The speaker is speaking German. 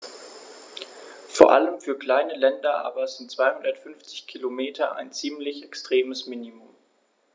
Vor allem für kleine Länder aber sind 250 Kilometer ein ziemlich extremes Minimum.